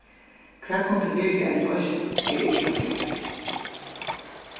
hvat kundi verið ein loysn er ilt at siga